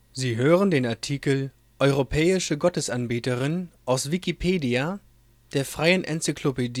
Sie hören den Artikel Europäische Gottesanbeterin, aus Wikipedia, der freien Enzyklopädie